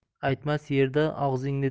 aytmas yerda og'zingni